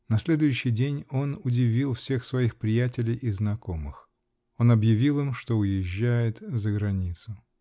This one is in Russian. На следующий день он удивил всех своих приятелей и знакомых: он объявил им, что уезжает за границу.